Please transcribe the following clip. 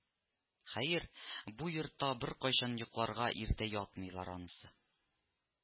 Хәер, бу йортта беркайчан йокларга иртә ятмыйлар анысы